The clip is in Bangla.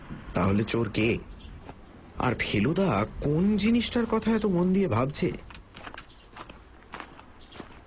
তা হলে চোর কে আর ফেলুদা কোন জিনিসটার কথা এত মন দিয়ে ভাবছে